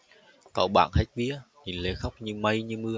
cậu bạn hết vía nhìn lê khóc như mây như mưa